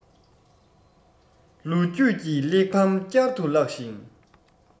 ལོ རྒྱུས ཀྱི གླེགས བམ བསྐྱར དུ བཀླགས ཤིང